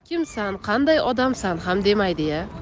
kimsan qanday odamsan ham demaydi ya